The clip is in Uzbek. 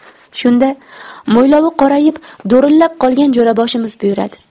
shunda mo'ylovi qorayib do'rillab qolgan jo'raboshimiz buyuradi